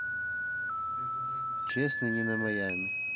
честный не на майами